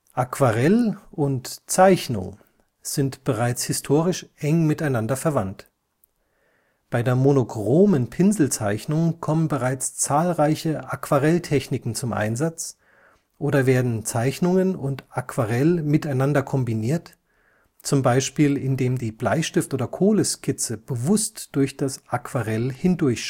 Aquarell und Zeichnung sind bereits historisch eng miteinander verwandt. Bei der monochromen Pinselzeichnung kommen bereits zahlreiche Aquarelltechniken zum Einsatz oder werden Zeichnungen und Aquarell miteinander kombiniert, zum Beispiel indem die Bleistift - oder Kohleskizze bewusst durch das Aquarell hindurch